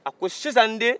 a ko sisan n den